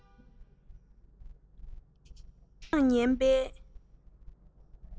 རོལ དབྱངས ཉན པའི